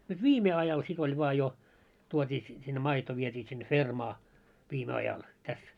nyt viime ajalla sitten oli vain jo tuotiin - sinne maito vietiin sinne fermaan viime ajalla tässä